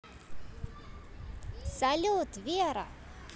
салют вера